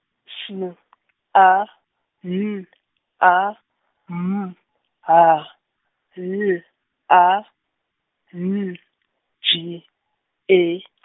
S , A, M, A, M, H, L, A, N , J, E .